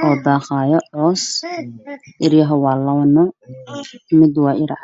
Halkaan waxaa ka muuqdo ari cunaayo caws ariga waa labo mid waa lax